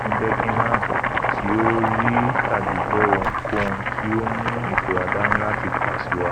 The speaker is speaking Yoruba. ní Birkenhead tí ó rí tàbí gbọ́ ohunkóhun tí ó mú ìfura dání láti kàn sí wa.